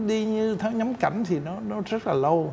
đi như thế ngắm cảnh thì nó nó rất là lâu